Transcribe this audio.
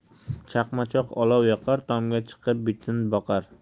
chaqmachoq olov yoqar tomga chiqib bitin boqar